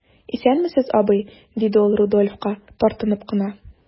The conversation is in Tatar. Исәнмесез, абый,– диде ул Рудольфка, тартынып кына.